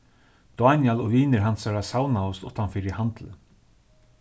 dánjal og vinir hansara savnaðust uttan fyri handilin